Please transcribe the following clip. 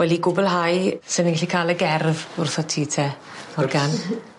Wel i gwbwlhau swn i'n gallu ca'l y gerdd wrthot ti te o'r gân.